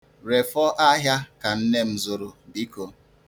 Refọ ahịa ka nne m zụrụ biko.